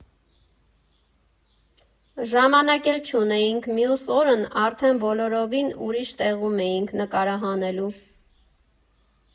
Ժամանակ էլ չունեինք, մյուս օրն արդեն բոլորովին ուրիշ տեղում էինք նկարահանելու…